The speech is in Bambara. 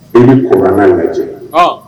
I bɛ kurana lajɛ, an.